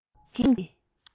རྒྱུད རིམ གྱི